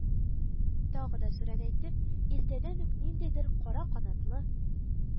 Тагын да сүрәнәйтеп, иртәдән үк ниндидер кара канатлы,